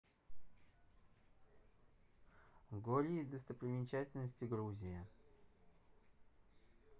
гори достопримечательности грузия